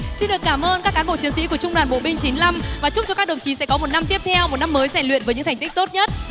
xin được cảm ơn các cán bộ chiến sĩ của trung đoàn bộ binh chín lăm và chúc cho các đồng chí sẽ có một năm tiếp theo một năm mới rèn luyện với những thành tích tốt nhất